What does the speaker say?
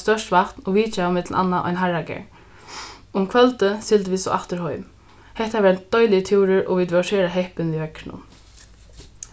stórt vatn og vitjaðu millum annað ein harragarð um kvøldið sigldu vit so aftur heim hetta var ein deiligur túrur og vit vóru sera heppin við veðrinum